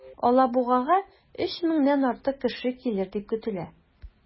Алабугага 3 меңнән артык кеше килер дип көтелә.